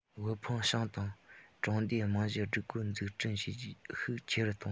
དབུལ ཕོངས ཞང དང གྲོང སྡེའི རྨང གཞིའི སྒྲིག བཀོད འཛུགས སྐྲུན བྱེད ཤུགས ཆེ རུ གཏོང རྒྱུ